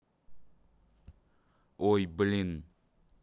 ой блин